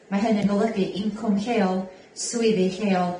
Ma' hyn yn golygu incwm lleol swyddi lleol a